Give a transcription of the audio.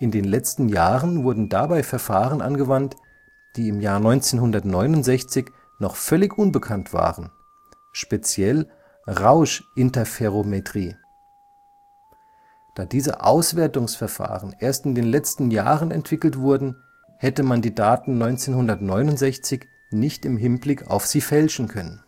den letzten Jahren wurden dabei Verfahren angewandt, die 1969 noch völlig unbekannt waren (speziell Rauschinterferometrie). Da diese Auswertungsverfahren erst in den letzten Jahren entwickelt wurden, hätte man die Daten 1969 nicht im Hinblick auf sie fälschen können